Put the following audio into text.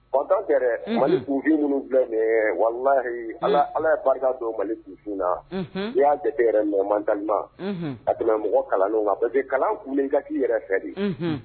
Bɔnda yɛrɛ mali buufin minnu filɛ walayi ala ye barika don mali tufinna i y'a de yɛrɛ nɛman di ma a dɛmɛ mɔgɔ kalan kan bɛɛpi kalan ku ka k'i yɛrɛ fɛ de